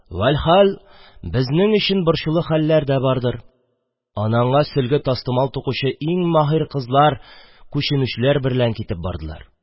Вәлхаль, безнең өчен борчулы хәлләр дә бардыр: анаңа сөлге-тастымал тукучы иң маһир кызлар күченүчеләр берлән китеп бардылар.